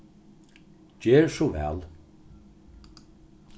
ger so væl